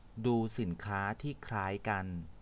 ดูสินค้าที่คล้ายกัน